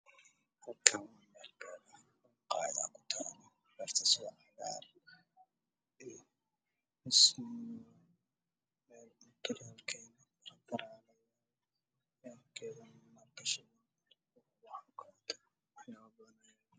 Meeshaan waa meel maqaayad ah waa meel maqaayad oo aada u qurux badan rog ay leedahay cagaar ahna waxaa ka ifaayo dahab ah oo jaalo ah kuraas ay yaalo